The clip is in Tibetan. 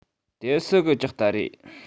དེ སུ གི ལྕགས རྟ རེད